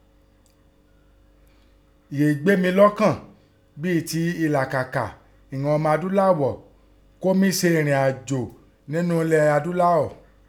Yèé è gbé mi lọ́kàn bíi ti ìlàkàka ihọn ọmọ adúlághọ̀ kí ó mí se ìrìnàjò nínúu ilẹ̀ adúláọ̀.